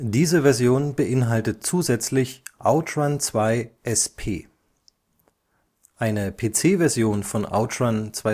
Diese Version beinhaltet zusätzlich OutRun 2 SP. Eine PC-Version von OutRun 2006:Coast